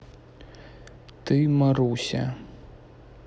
ты маруся